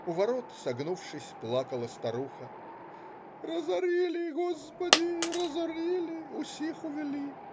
У ворот, согнувшись, плакала старуха: "Разорили, Господи, разорили, усих увели.